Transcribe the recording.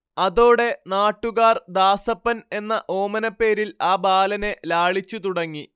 അതോടെ നാട്ടുകാർ ദാസപ്പൻ എന്ന ഓമനപ്പേരിൽ ആ ബാലനെ ലാളിച്ചു തുടങ്ങി